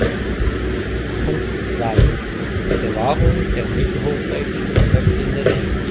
2) Bewahrung der mittelhochdeutschen öffnenden